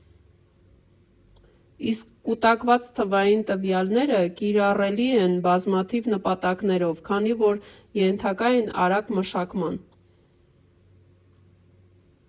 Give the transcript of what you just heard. Իսկ կուտակված թվային տվյալները կիրառելի են բազմաթիվ նպատակներով, քանի որ ենթակա են արագ մշակման։